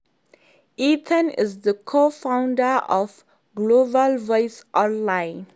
Ethan is the co-founder of Global Voices Online.